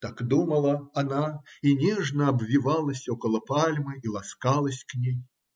– так думала она и нежно обвивалась около пальмы и ласкалась к ней.